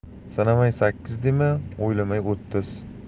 sanamay sakkiz dema o'ylamay o'ttiz